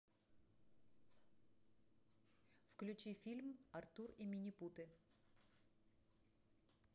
включи фильм артур и минипуты